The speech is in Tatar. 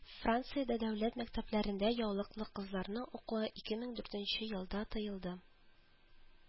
Франциядә дәүләт мәктәпләрендә яулыклы кызларның укуы ике мең дүртенче елда тыелды